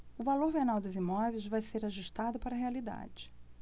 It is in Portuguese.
o valor venal dos imóveis vai ser ajustado para a realidade